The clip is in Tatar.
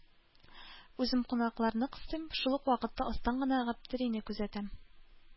Үзем кунакларны кыстыйм, шул ук вакытта астан гына Гаптерине күзәтәм.